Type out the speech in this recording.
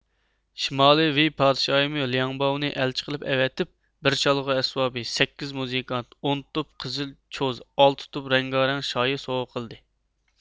شىمالىي ۋېي پادىشاھىمۇ لياڭباۋنى ئەلچى قىلىپ ئەۋەتىپ بىر چالغۇ ئەسۋابى سەككىز مۇزىكانت ئون توپ قىزىل چوز ئالتە توپ رەڭگارەڭ شايى سوۋغا قىلدى